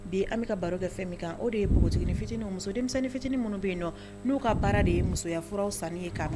Bi an bɛ ka baro kɛ fɛn min kan o de ye npogot ni fitinin o muso denmisɛnninnin fitinin minnu bɛ yen nɔ n'o ka baara de ye musoya furaraw san ye kan